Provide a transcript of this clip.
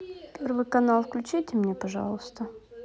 первый канал включите мне пожалуйста